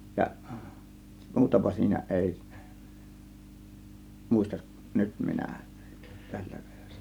ja muutapa siinä ei muista nyt minä tällä kertaa